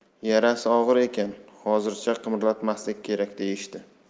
yarasi og'ir ekan hozircha qimirlatmaslik kerak deyishdi